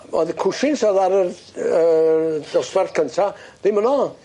o'dd y cwshins o'dd ar yr yy dosbarth cynta ddim yno.